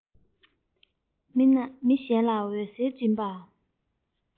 མི གཞན ལ འོད ཟེར སྦྱིན པ